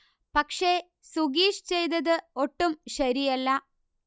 പക്ഷേ സുഗീഷ് ചെയ്തത് ഒട്ടും ശരിയല്ല